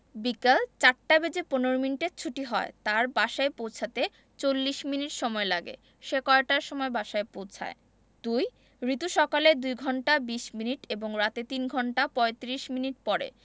বিকাল ৪ টা বেজে ১৫ মিনিটে ছুটি হয় তার বাসায় পৌছাতে ৪০ মিনিট সময়লাগে সে কয়টার সময় বাসায় পৌছায় ২ রিতু সকালে ২ ঘন্টা ২০ মিনিট এবং রাতে ৩ ঘণ্টা ৩৫ মিনিট পড়ে